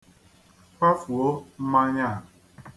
Kwafuo mmanya a.